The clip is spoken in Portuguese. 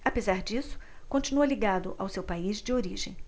apesar disso continua ligado ao seu país de origem